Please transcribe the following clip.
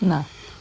Na.